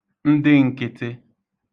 ndịn̄kị̄tị̄